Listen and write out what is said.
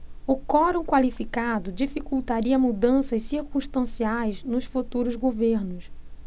o quorum qualificado dificultaria mudanças circunstanciais nos futuros governos